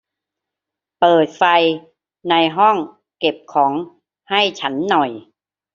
เปิดไฟในห้องเก็บของให้ฉันหน่อย